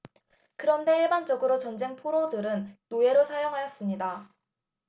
그런데 일반적으로 전쟁 포로들을 노예로 사용하였습니다